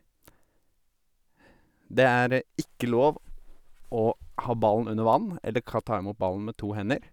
Det er ikke lov å ha ballen under vann eller ka ta imot ballen med to hender.